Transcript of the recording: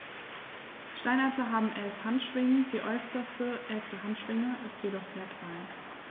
Steinadler haben 11 Handschwingen, die äußerste (11.) Handschwinge ist jedoch sehr klein.